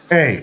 eyyi